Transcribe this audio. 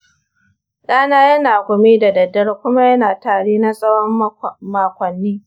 ɗana yana gumi da daddare kuma yana tari na tsawon makonni